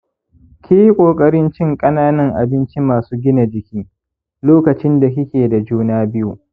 ki yi ƙoƙarin cin ƙananan abinci masu gina jiki lokacin da kike da juna biyu.